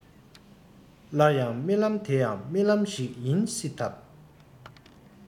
སླར ཡང རྨི ལམ དེ ཡང རྨི ལམ ཞིག ཡིན སྲིད དམ